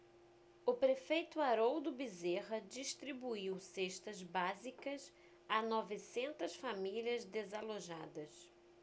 o prefeito haroldo bezerra distribuiu cestas básicas a novecentas famílias desalojadas